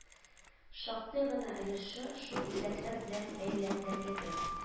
Шактый гына өлеше шул үзәкләр белән бәйләнгәнлеге